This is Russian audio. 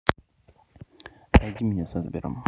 найди меня со сбером